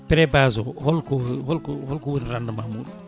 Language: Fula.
pré-base o holko holko holko woni rendement muɗum